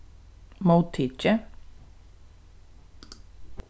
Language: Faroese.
móttikið